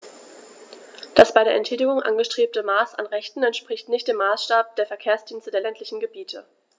Das bei der Entschädigung angestrebte Maß an Rechten entspricht nicht dem Maßstab der Verkehrsdienste der ländlichen Gebiete.